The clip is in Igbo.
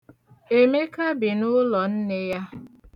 Emeka bi n'ụlọ nne ya.